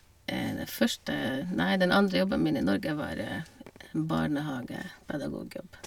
det første nei Den andre jobben min i Norge var en barnehagepedagogjobb.